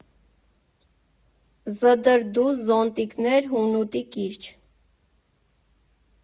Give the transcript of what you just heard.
Ջդրդուզ, Զոնտիկներ, Հունոտի կիրճ։